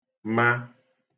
-ma